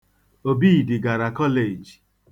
Obidi gara kọleeji.